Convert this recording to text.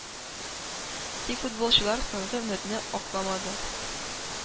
Тик футболчылар соңгы өметне акламады.